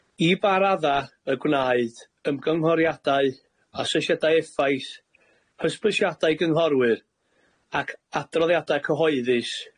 I ba radda y gwnaed ymgynghoriadau, asesiadau effaith, hysbysiadau i gynghorwyr, ac adroddiadau cyhoeddus